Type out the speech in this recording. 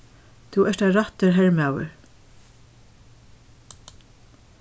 tú ert ein rættur hermaður